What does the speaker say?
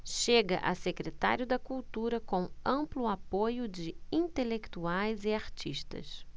chega a secretário da cultura com amplo apoio de intelectuais e artistas